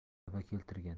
g'alaba keltirgan